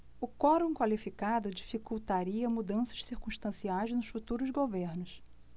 o quorum qualificado dificultaria mudanças circunstanciais nos futuros governos